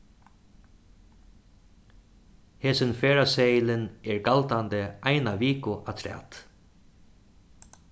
hesin ferðaseðilin er galdandi eina viku afturat